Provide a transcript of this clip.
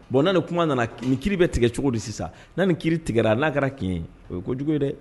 Bon n na ni kuma nana nin ki bɛ tigɛ cogodi di sisan n'a ni ki tigɛ n'a kɛra kinɲɛ ye o ye ko kojugu ye dɛ